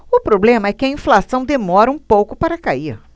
o problema é que a inflação demora um pouco para cair